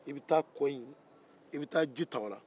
i bɛ taa kɔ in e bɛ taa ji ta a la